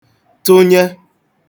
tụnye